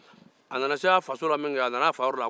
a nana se a faso la